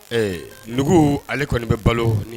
Ɛɛ nugu ale kɔni bɛ balo